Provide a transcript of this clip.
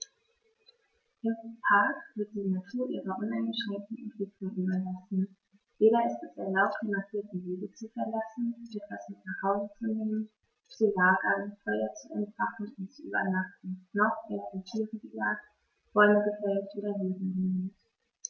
Im Park wird die Natur ihrer uneingeschränkten Entwicklung überlassen; weder ist es erlaubt, die markierten Wege zu verlassen, etwas mit nach Hause zu nehmen, zu lagern, Feuer zu entfachen und zu übernachten, noch werden Tiere gejagt, Bäume gefällt oder Wiesen gemäht.